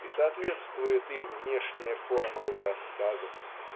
И соответствует им внешняя форма его рассказов